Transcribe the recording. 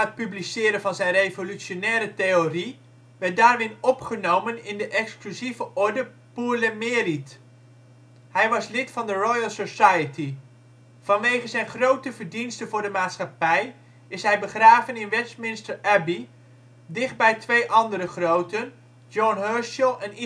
publiceren van zijn revolutionaire theorie, werd Darwin opgenomen in de exclusieve Orde " Pour le Mérite ". Hij was lid van de Royal Society. Vanwege zijn grote verdiensten voor de maatschappij is hij begraven in Westminster Abbey, dichtbij twee andere groten John Herschel en